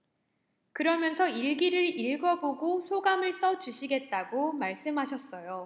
그러면서 일기를 읽어 보고 소감을 써 주시겠다고 말씀하셨어요